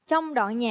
trong đoạn nhạc